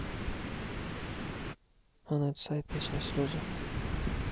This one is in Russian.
анет сай песня слезы